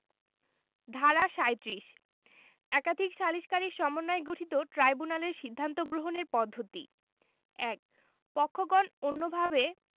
ধারা ৩৭ একাধিক সালিসকারীর সমন্বয়ে গঠিত ট্রাইব্যুনালের সিদ্ধান্ত গ্রহণের পদ্ধতি ১ পক্ষগণ অন্যভাবে